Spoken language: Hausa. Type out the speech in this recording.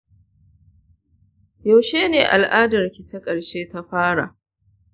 yaushe ne al'adarki ta ƙarshe ta fara?